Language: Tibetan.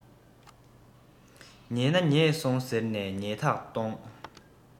ཉེས ན ཉེས སོང ཟེར ནས ཉེས གཏགས ཐོངས